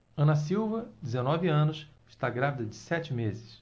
ana silva dezenove anos está grávida de sete meses